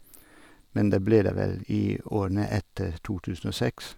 Men det ble det vel i årene etter to tusen og seks.